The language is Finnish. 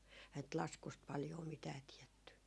eihän nyt laskusta paljoa mitään tiedetty